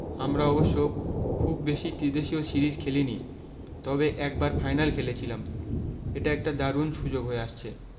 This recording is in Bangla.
আমরা অবশ্য খুব বেশি ত্রিদেশীয় সিরিজ খেলেনি তবে একবার ফাইনাল খেলেছিলাম এটা একটা দারুণ সুযোগ হয়ে আসছে